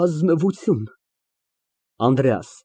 Ազնվություն։ ԱՆԴՐԵԱՍ ֊